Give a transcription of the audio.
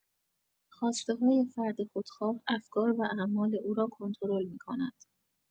خواسته‌های فرد خودخواه افکار و اعمال او را کنترل می‌کند.